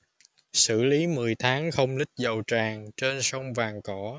xử lý mười tháng không lít dầu tràn trên sông vàm cỏ